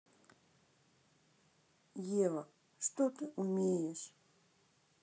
ева что ты умеешь